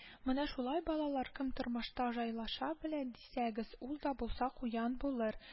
Менә шулай балалар кем тормышта жайлаша белә дисәгез, ул да булса куян булыр